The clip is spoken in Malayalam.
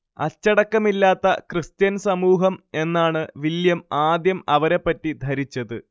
അച്ചടക്കമില്ലാത്ത ക്രിസ്ത്യൻ സമൂഹം എന്നാണ് വില്ല്യം ആദ്യം അവരെ പറ്റി ധരിച്ചത്